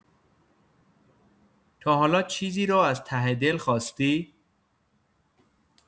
تا حالا چیزی رو از ته دل خواستی؟